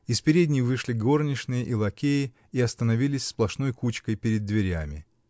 Из передней вышли горничные и лакеи и остановились сплошной кучкой перед дверями.